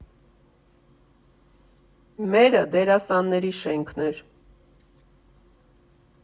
Մերը Դերասանների շենքն էր։